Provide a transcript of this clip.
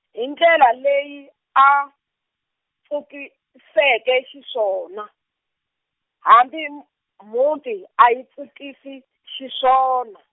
hi ndlela leyi a, pfukiseke xiswona, hambi m-, mhunti a yi pfukisi, xiswona.